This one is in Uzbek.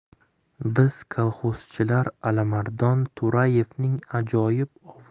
biz kolxozchilar alimardon to'rayevning ajoyib